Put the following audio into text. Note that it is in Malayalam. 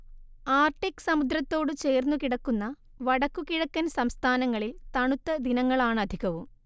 ആർട്ടിക് സമുദ്രത്തോടു ചേർന്നുകിടക്കുന്ന വടക്കു കിഴക്കൻ സംസ്ഥാനങ്ങളിൽ തണുത്ത ദിനങ്ങളാണധികവും